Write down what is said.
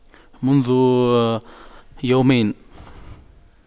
منذ يومين